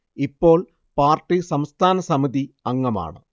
ഇപ്പോൾ പാർട്ടി സംസ്ഥാന സമിതി അംഗമാണ്